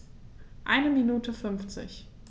Eine Minute 50